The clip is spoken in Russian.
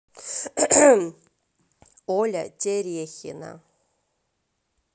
оля терехина